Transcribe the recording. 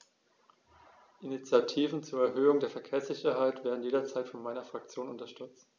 Initiativen zur Erhöhung der Verkehrssicherheit werden jederzeit von meiner Fraktion unterstützt.